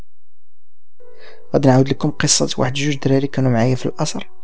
ادعو لكم قصه واحد يشتريلي كان معي في القصر